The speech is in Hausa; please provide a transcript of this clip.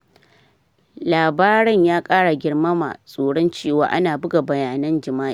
Labaren ya kara girmama tsoron cewa ana buga bayanan jima'i